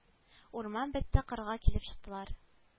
Урман бетте кырга килеп чыктылар